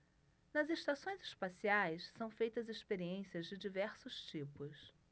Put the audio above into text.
nas estações espaciais são feitas experiências de diversos tipos